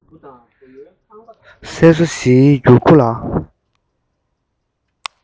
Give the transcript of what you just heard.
གསལ སོ བཞིའི འགྱུར ཁུག ལ